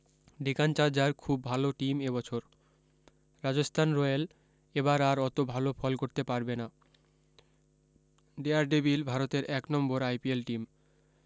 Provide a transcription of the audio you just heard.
Deccan charger খুব ভালো team এবছর রাজেস্থান রয়েল এবার আর অতো ভালো ফল করতে পারবে না ডে্যার ডেভিল ভারতের এখন এক নম্বর আইপিএল টিম